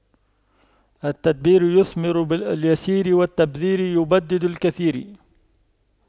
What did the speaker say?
التدبير يثمر اليسير والتبذير يبدد الكثير